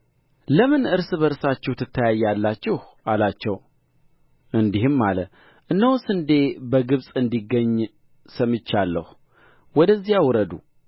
ለምን እርስ በርሳችሁ ትተያያላችሁ አላቸው እንዲህም አለ እነሆ ስንዴ በግብፅ እንዲገኝ ሰምቼአለሁ ወደዚያ ውረዱ